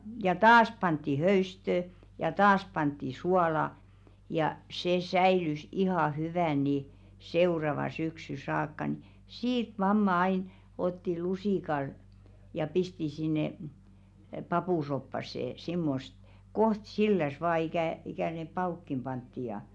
ja taas pantiin höystöä ja taas pantiin suolaa ja se säilyi ihan hyvänä niin seuraavaan syksyyn saakka no siitä mamma aina otti lusikalla ja pisti sinne papusoppaan semmoista kohta sillään vain ikä ikä ne pavutkin pantiin ja